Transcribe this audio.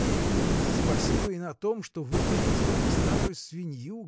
Нет, спасибо и на том, что выгнали из дома старую свинью.